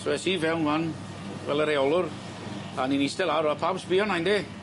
So es i fewn ŵan fel y reolwr a o'n i'n iste lawr a pawb sbio arna i ynde?